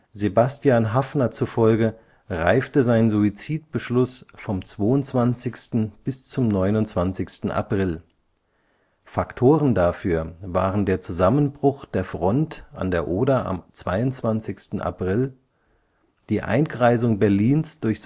Sebastian Haffner zufolge reifte sein Suizidbeschluss vom 22. bis zum 29. April. Faktoren dafür waren der Zusammenbruch der Front an der Oder am 22. April, die Einkreisung Berlins durch